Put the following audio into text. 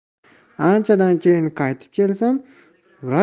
anchadan keyin qaytib kelsam vrach